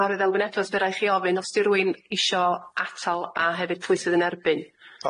Fawr i ddelwi'n eto os by' rai' chi ofyn os 'di rywun isio atal a hefyd pwy sydd yn erbyn?